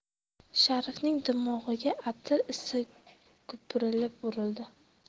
sharifning dimog'iga atir isi gupirib urildi